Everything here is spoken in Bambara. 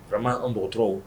Ura an npogo dɔrɔnw